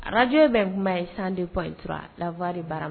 Radio bɛnkuma ye :102 point 3, la. voix de _ bara